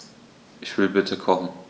Ich will bitte kochen.